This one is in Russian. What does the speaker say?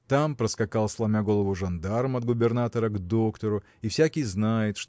Там проскакал сломя голову жандарм от губернатора к доктору и всякий знает